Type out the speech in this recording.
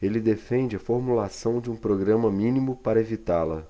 ele defende a formulação de um programa mínimo para evitá-la